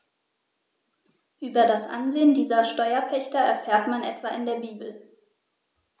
Über das Ansehen dieser Steuerpächter erfährt man etwa in der Bibel.